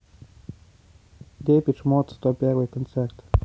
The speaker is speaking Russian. депеш мод сто первый концерт